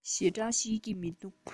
ཞེ དྲགས ཤེས ཀྱི མི འདུག